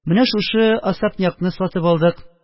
Менә шушы особнякны сатып алдык